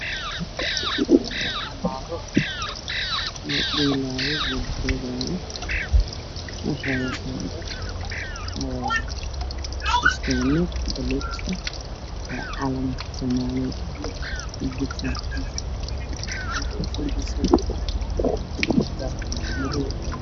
Waa iskuul waxaa joogto ardo wax baraneyso waxayna wataan dharisku eg